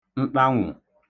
ntanwụ̀